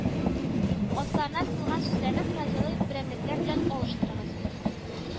Асларына сызылган сүзләрне фразеологик берәмлекләр белән алыштырыгыз